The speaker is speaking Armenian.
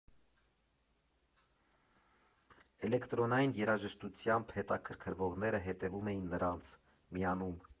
Էլեկտրոնային երաժշտությամբ հետաքրքրվողները հետևում էին նրանց, միանում։